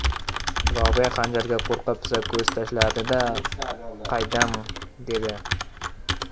robiya xanjarga qo'rqa pisa ko'z tashladi da qaydam dedi